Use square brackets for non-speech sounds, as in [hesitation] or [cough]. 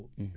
[hesitation] [hesitation]